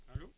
allo